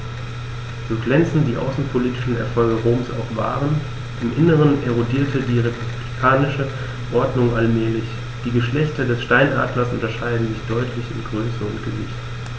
So glänzend die außenpolitischen Erfolge Roms auch waren: Im Inneren erodierte die republikanische Ordnung allmählich. Die Geschlechter des Steinadlers unterscheiden sich deutlich in Größe und Gewicht.